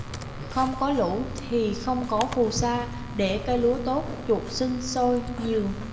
không có lũ thì không có phù sa để cây lúa tốt chuột sinh sôi nhiều